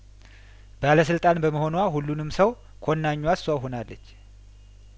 ባለስልጣን በመሆኗ ሁሉንም ሰው ኮናኟ እሷው ሆናለች